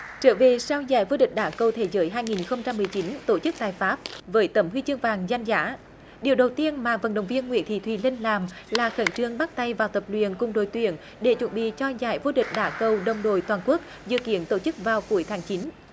trở về sau giải vô địch đá cầu thế giới hai nghìn không trăm mười chín tổ chức tại pháp với tấm huy chương vàng danh giá điều đầu tiên mà vận động viên nguyễn thị thùy linh làm là khẩn trương bắt tay vào tập luyện cùng đội tuyển để chuẩn bị cho giải vô địch đá cầu đồng đội toàn quốc dự kiến tổ chức vào cuối tháng chín